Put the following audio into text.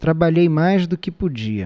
trabalhei mais do que podia